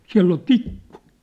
siellä oli tikku